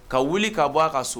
Ka wuli k ka bɔ a ka so